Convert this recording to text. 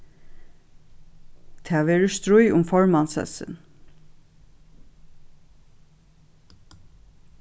tað verður stríð um formanssessin